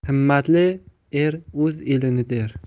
himmatli er o'z elini der